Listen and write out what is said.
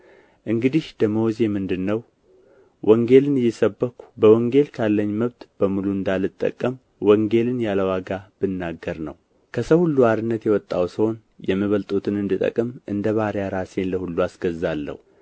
እንግዲህ ደመወዜ ምንድር ነው ወንጌልን እየሰበክሁ በወንጌል ካለኝ መብት በሙሉ እንዳልጠቀም ወንጌልን ያለ ዋጋ ብናገር ነው ከሰው ሁሉ አርነት የወጣሁ ስሆን የሚበልጡትን እንድጠቅም እንደ ባሪያ ራሴን ለሁሉ አስገዛለሁ